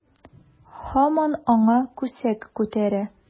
Һаман аңа күсәк күтәрә.